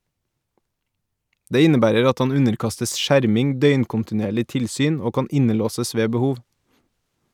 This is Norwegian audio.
Det innebærer at han underkastes skjerming, døgnkontinuerlig tilsyn og kan innelåses ved behov.